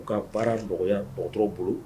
U ka baara nɔgɔyaya mɔgɔ t bolo